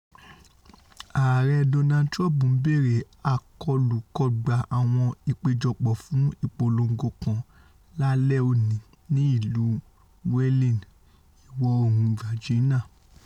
Ààrẹ̵ Donald Trump ńbẹ̀rẹ̀ àkọlùkọgbà àwọn ìpéjọpọ̀ fún ìpolongo kan lálẹ́ òní ní ilù Wheeling, Ìwọ̀-oòrùn Virginia.